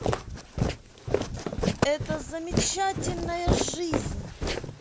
эта замечательная жизнь